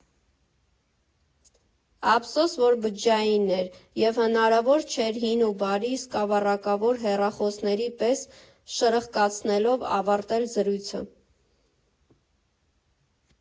Ափսոս որ բջջային էր, և հնարավոր չէր հին ու բարի սկավառակավոր հեռախոսների պես շրխկացնելով ավարտել զրույցը։